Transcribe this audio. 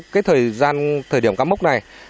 cái thời gian thời điểm các mốc này